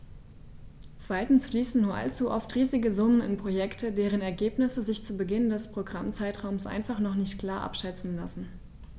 Zweitens fließen nur allzu oft riesige Summen in Projekte, deren Ergebnisse sich zu Beginn des Programmzeitraums einfach noch nicht klar abschätzen lassen.